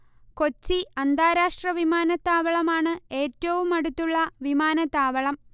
കൊച്ചി അന്താരാഷ്ട്ര വിമാനത്താവളമാണ് ഏറ്റവുമടുത്തുള്ള വിമാനത്താവളം